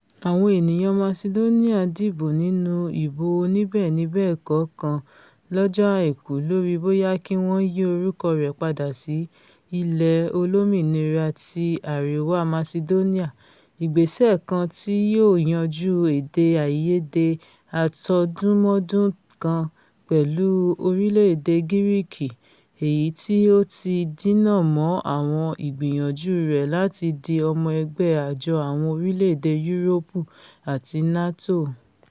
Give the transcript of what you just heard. Àwọn ènìyàn Macedoni dìbò nínú ìbò oníbẹ́èni-bẹ́ẹ̀kọ́ kan lọ́jọ́ Àìkú lórí bóyá kí wọ́n yí orúkọ rẹ̀ padà si ''Ilẹ̀ Olómìnira ti Àríwá Masidónià,'' ìgbésẹ kan tí yóò yanjú èdè-àìyedè atọdunmọdun kan pẹlu orilẹ-ede Gíríkì èyití ó ti dínà mọ́ àwọn ìgbìyànjú rẹ̀ làti di ọmọ ẹgbẹ́ Àjọ Àwọn orílẹ̀-èdè Yúróòpù àti NATO.